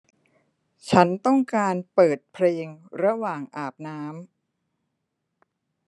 ฉันต้องการเปิดเพลงระหว่างอาบน้ำ